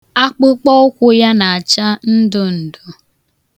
Akpụkpọụkwụ ya na-acha ndundu.